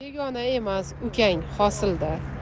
begona emas ukang hosil da